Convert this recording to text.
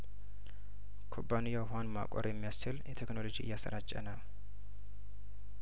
ኩባንያው ውሀን ማቆር የሚያስችል የቴክኖሎጂዎችን እያሰራጨ ነው